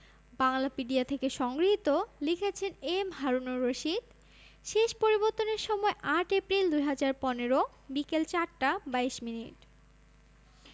বাংলাপিডিয়া থেকে সংগৃহীত লিখেছেন এম হারুনুর রশিদ শেষ পরিবর্তনের সময় ৮ এপ্রিল ২০১৫ বিকেল ৪টা ২২ মিনিট